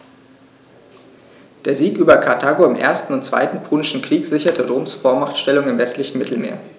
Der Sieg über Karthago im 1. und 2. Punischen Krieg sicherte Roms Vormachtstellung im westlichen Mittelmeer.